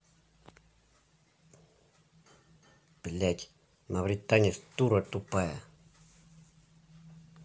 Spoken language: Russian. блядь мавританец дура тупая